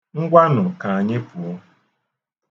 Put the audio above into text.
Ngwanụ ka anyị pụọ.